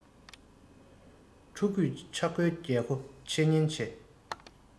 ཕྲུ གུས ཆག སྒོའི རྒྱལ སྒོ ཕྱེ ཉེན ཡོད